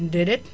déedéet